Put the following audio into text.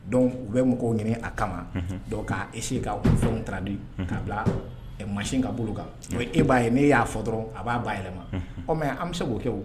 Dɔnku u bɛ mɔgɔw ɲini a kama dɔn k' ese ka fɛnw taraweledi'a bila ma ka bolo kan o e ba'a ye nee y'a fɔ dɔrɔn a b'a ba yɛlɛma o mɛ an bɛ se k'o kɛ o